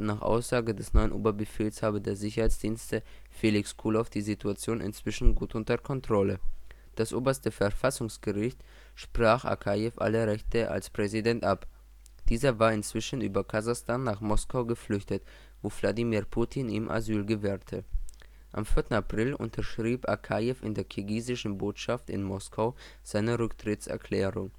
Aussagen des neuen Oberbefehlhabers der Sicherheitsdienste Felix Kulow die Situation inzwischen gut unter Kontrolle. Das Oberste Verfassungsgericht sprach Akajew alle Rechte als Präsident ab. Dieser war inzwischen über Kasachstan nach Moskau geflüchtet, wo Wladimir Putin ihm Asyl gewährte. Am 4. April unterschrieb Akajew in der kirgisischen Botschaft in Moskau seine Rücktrittserklärung